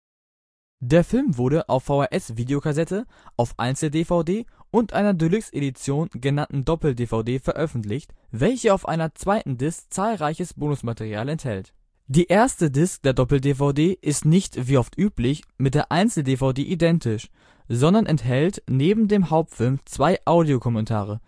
Der Film wurde auf VHS-Videokassette, auf Einzel-DVD und einer Deluxe Edition genannten Doppel-DVD veröffentlicht, welche auf einer zweiten Disc zahlreiches Bonusmaterial enthält. Die erste Disc der Doppel-DVD ist nicht, wie oft üblich, mit der Einzel-DVD identisch, sondern enthält neben dem Hauptfilm zwei Audiokommentare